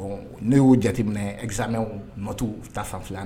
Ne y'o jateminɛ esamɛ mɔtu tafi